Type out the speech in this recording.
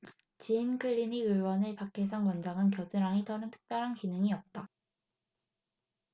지인클리닉의원의 박해상 원장은 겨드랑이 털은 특별한 기능이 없다